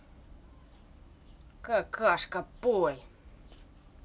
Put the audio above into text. какашка пой